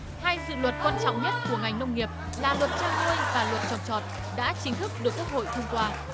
hay dự luật quan trọng nhất của ngành nông nghiệp là luật chăn nuôi và luật trồng trọt đã chính thức được quốc hội thông qua